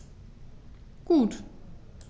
Gut.